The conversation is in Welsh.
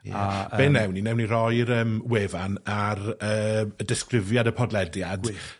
Ie... A yym... ...be' newn ni newn ni roi'r yym wefan ar yy y disgrifiad y podlediad. Gwych.